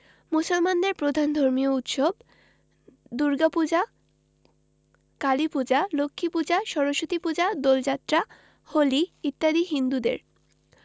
মুসলমানদের প্রধান ধর্মীয় উৎসব দুর্গাপূজা কালীপূজা লক্ষ্মীপূজা সরস্বতীপূজা দোলযাত্রা হোলি ইত্যাদি হিন্দুদের